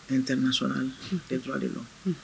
N n tɛso e fila de dɔn